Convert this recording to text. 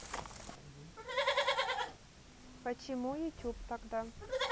почему youtube тогда